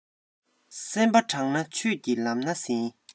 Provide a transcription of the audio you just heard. སེམས པ དྲང ན ཆོས ཀྱི ལམ སྣ ཟིན